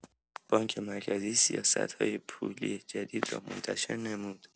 بانک مرکزی سیاست‌های پولی جدید را منتشر نمود.